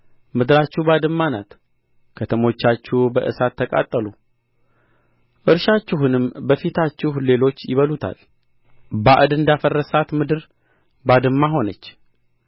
ምድራችሁ ባድማ ናት ከተሞቻችሁ በእሳት ተቃጠሉ እርሻችሁንም በፊታችሁ ሌሎች ይበሉታል ባዕድ እንዳፈረሳት ምድር ባድማ ሆነች